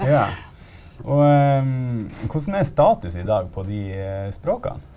ja og hvordan er status i dag på de språkene?